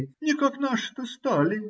Никак наши-то стали!